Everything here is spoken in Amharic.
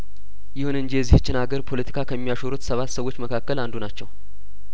ይሁን እንጂ የዚህችን ሀገር ፖለቲካ ከሚያሾሩት ሰባት ሰዎች መካከል አንዱ ናቸው